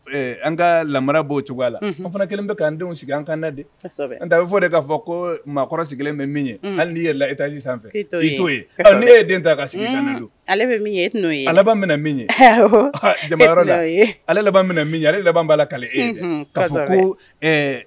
An ka lara' o cogoya a la ma fana kelen bɛ'an denw sigi an kanda de an ta bɛ fɔ de k'a fɔ ko maakɔrɔ sigilen kelen bɛ min ye hali yɛrɛ la i taasi sanfɛ i too ye ni e ye den ta ka sigi don ale'o alaba minɛ min ye jama ale minɛ ale laban b'a kale e karisa ko